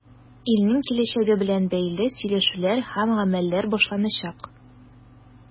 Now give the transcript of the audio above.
Илнең киләчәге белән бәйле сөйләшүләр һәм гамәлләр башланачак.